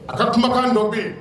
A ka kumakan dɔ bɛ yi